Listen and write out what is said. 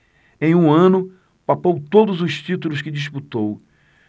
em um ano papou todos os títulos que disputou